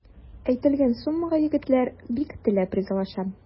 Әйтелгән суммага егетләр бик теләп ризалаша.